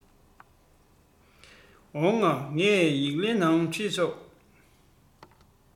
ཡོང ང ངས ཡིག ལན ནང བྲིས ཆོག